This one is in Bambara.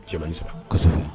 Cɛman sabaso